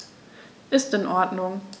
Ist in Ordnung.